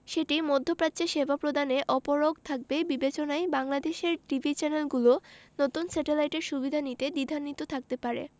সেটি মধ্যপ্রাচ্যে সেবা প্রদানে অপারগ থাকবে বিবেচনায় বাংলাদেশের টিভি চ্যানেলগুলো নতুন স্যাটেলাইটের সুবিধা নিতে দ্বিধান্বিত থাকতে পারে